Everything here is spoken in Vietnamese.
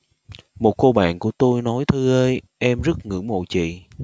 một cô bạn của tôi nói thư ơi em rất ngưỡng mộ chị